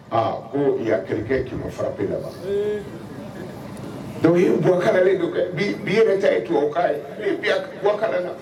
Aa ko y'a quelqu'un qui m'a frappe labas ee donc o ye Buwa kalannen don, bi yɛrɛ ta ye tubabu kan ye et puis Buwa kalan na!